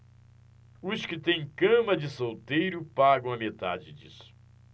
os que têm cama de solteiro pagam a metade disso